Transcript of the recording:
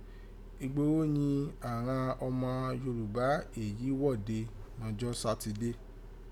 Igboho yìn aghan ọma Yorùbá èyí gwọ́de nọ́jọ́ Sátidé